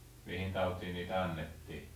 mihin tautiin niitä annettiin